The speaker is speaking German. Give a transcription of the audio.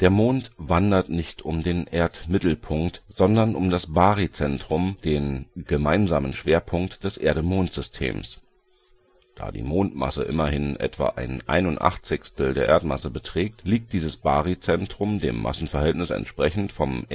Mond wandert nicht um den Erdmittelpunkt, sondern um das Baryzentrum, den gemeinsamen Schwerpunkt des Erde-Mond-Systems. Da die Mondmasse immerhin etwa ein 81stel der Erdmasse beträgt, liegt dieses Baryzentrum dem Massenverhältnis entsprechend vom